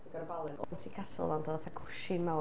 Bouncy castle ond oedd o fatha *cushion" mawr.